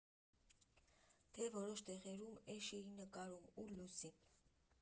Դե, որոշ տեղերում էշ էի նկարում ու լուսին։